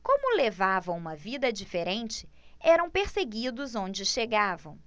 como levavam uma vida diferente eram perseguidos onde chegavam